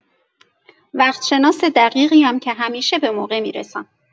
وقت‌شناس دقیقی‌ام که همیشه به‌موقع می‌رسم.